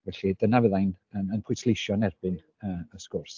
Felly dyna fydda i'n yn yn pwysleisio yn erbyn yy y sgwrs.